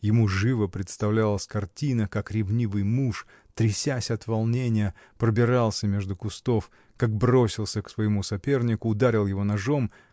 Ему живо представлялась картина, как ревнивый муж, трясясь от волнения, пробирался между кустов, как бросился к своему сопернику, ударил его ножом